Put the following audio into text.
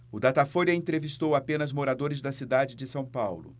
o datafolha entrevistou apenas moradores da cidade de são paulo